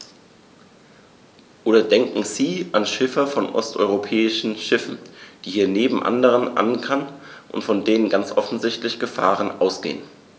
Oder denken Sie an Schiffer von osteuropäischen Schiffen, die hier neben anderen ankern und von denen ganz offensichtlich Gefahren ausgehen.